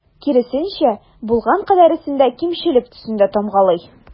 Киресенчә, булган кадәресен дә кимчелек төсендә тамгалый.